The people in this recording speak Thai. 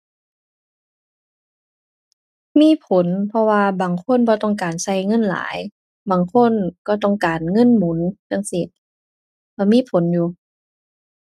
มีผล เพราะว่าบางคนบ่ต้องการใช้เงินหลาย บางคนก็ต้องการเงินหมุนจั่งซี้ ใช้มีผลอยู่